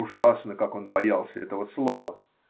(Ужасно как он боялся этого слова.